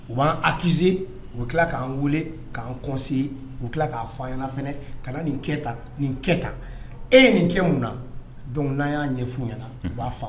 U b'an akizsee u tila k'an weele k'an kɔse u tila k'a fa ɲɛnaf ka nin nin kɛ tan e ye nin kɛ mun na dɔnku n'a y'a ɲɛ f ɲɛna u b'a faga